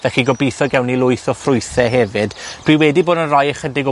Felly gobitho gewn ni lwyth o ffrwythe hefyd. Dwi wedi bod yn rhoi ychydig o